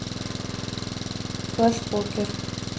флэш покер